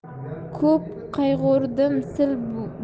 ko'p qayg'urdim sil boidim